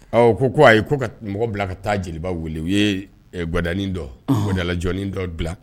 Ɔ ko ko ayi ko ka mɔgɔ bila ka taa jeliba wele u ye wad dɔ wadalai dɔ bila